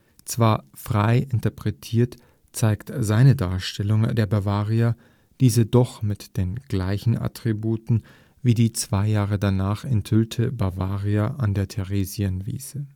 Zwar frei interpretiert, zeigt seine Darstellung der Bavaria diese doch mit den gleichen Attributen wie die zwei Jahre danach enthüllte Bavaria an der Theresienwiese